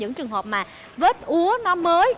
những trường hợp vết úa nó mới